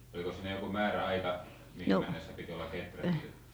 oliko siinä joku määräaika mihin mennessä piti olla kehrätty